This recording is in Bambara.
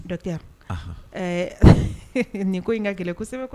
C nin ko in ka kɛlɛ ko